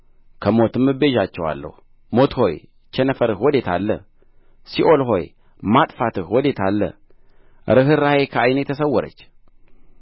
ከሞትም እቤዣቸዋለሁ ሞት ሆይ ቸነፈርህ ወዴት አለ ሲኦል ሆይ ማጥፋትህ ወዴት አለ ርኅራኄ ከዓይኔ ተሰወረች